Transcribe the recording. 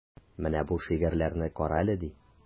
Менә бу шигырьләрне карале, ди.